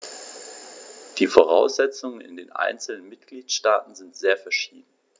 Die Voraussetzungen in den einzelnen Mitgliedstaaten sind sehr verschieden.